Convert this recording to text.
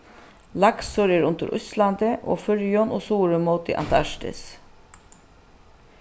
laksur er undir íslandi og føroyum og suður móti antarktis